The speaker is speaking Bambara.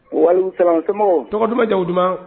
Walekumsalam somɔgɔw tɔgɔ duman jamun duman